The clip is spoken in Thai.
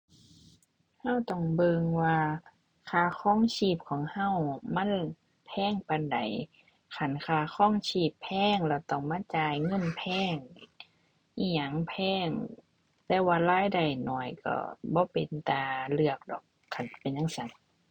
เราต้องเบิ่งว่าค่าครองชีพของเรามันแพงปานใด คันค่าครองชีพแพงแล้วต้องมาจ่ายเงินแพงอีกหนิ อิหยังแพง แต่ว่ารายได้น้อยเราบ่เป็นตาเลือกดอก คันเป็นจั่งซั้น